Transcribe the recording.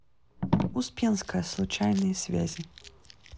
успенская случайные связи